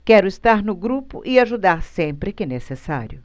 quero estar no grupo e ajudar sempre que necessário